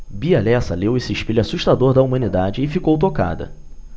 bia lessa leu esse espelho assustador da humanidade e ficou tocada